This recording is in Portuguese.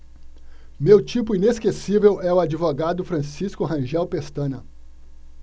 meu tipo inesquecível é o advogado francisco rangel pestana